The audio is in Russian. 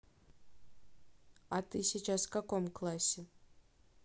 а ты сейчас в каком классе